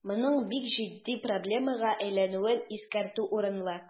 Моның бик җитди проблемага әйләнүен искәртү урынлы.